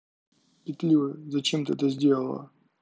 петлюра зачем ты это сделала